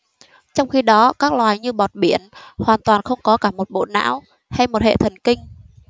trong khi đó các loài như bọt biển hoàn toàn không có cả một bộ não hay một hệ thần kinh